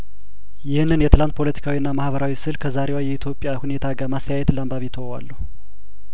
ይህንን የትናንት ፖለቲካዊና ማህበራዊ ስእል ከዛሬዋ የኢትዮጵያ ሁኔታ ጋር ማስተያየትን ለአንባቢ ተወዋለሁ